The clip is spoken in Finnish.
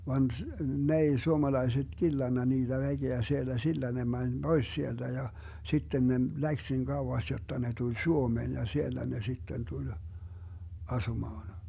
vaan - ne ei suomalaiset killannut niitä väkeä siellä sillä ne meni pois sieltä ja sitten ne lähti niin kauas jotta ne tuli Suomeen ja siellä ne sitten tuli asumaan